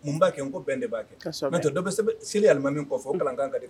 Mun b'a kɛ n ko bɛn de b'a kɛ n'tɔ dɔ bɛ selilima min kɔ fɔ ka kalankan ka